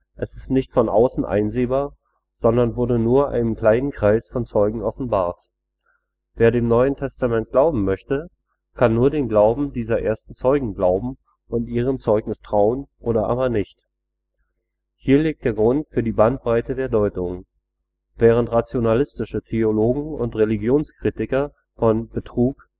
Es ist nicht „ von außen “einsehbar, sondern wurde nur einem kleinen Kreis von Zeugen offenbart. Wer dem NT glauben möchte, kann nur dem Glauben dieser ersten Zeugen glauben und ihrem Zeugnis trauen – oder aber nicht. Hier liegt der Grund für die Bandbreite der Deutungen: Während rationalistische Theologen und Religionskritiker von „ Betrug